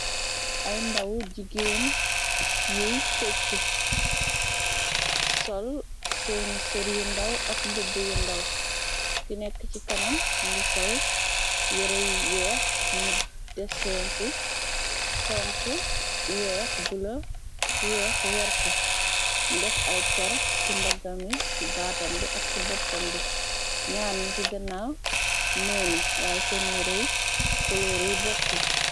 Ay ndaw jigeen yuy fechi sol seeni sër yu ndàw ak mbubb yu ndaw ki nekk ci kanam ngi sol yerey weex ni desen ci konk weex bu la weex werta mu def ay per ci mbaggami yu baatam bi ak ci boppam bi ñyaar ni ci gannaa noonu waaye seen yirey koloor yi bokku.